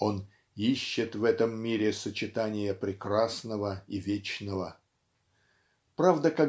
он "ищет в этом мире сочетания прекрасного и вечного". Правда